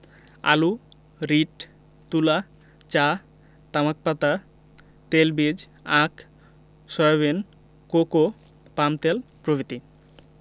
আলু রীট তুলা চা তামাক পাতা তেলবীজ আখ সয়াবিন কোকো পামতেল প্রভৃতি